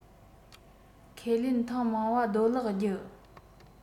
ཁས ལེན ཐེངས མང བ རྡོ ལག བརྒྱུད